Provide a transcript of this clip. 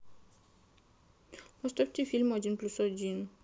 поставьте фильм один плюс один